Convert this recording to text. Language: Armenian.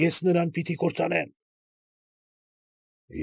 Ես նրան պիտի կործանեմ»։